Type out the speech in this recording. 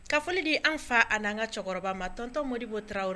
Ka fɔ de an fa ani anan ka cɛkɔrɔba ma tɔntɔntɔnmodi bɔ taraweleraw